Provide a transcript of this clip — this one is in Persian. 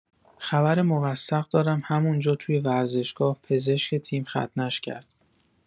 خبر موثق دارم همونجا توی ورزشگاه پزشک تیم ختنش کرد.